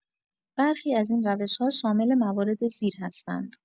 برخی از این روش‌ها شامل موارد زیر هستند